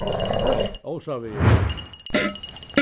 ósavegur